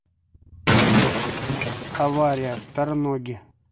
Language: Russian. авария в тарноге